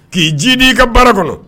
K'i ji di'i ka baara kɔnɔ